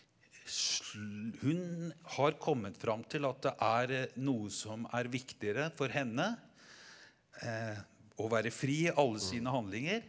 slu hun har kommet fram til at det er noe som er viktigere for henne, å være fri i alle sine handlinger,